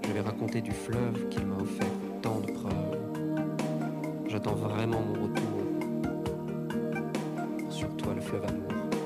Kɛlɛ tunte di fila kiba fɛ farama mɔgɔ tu su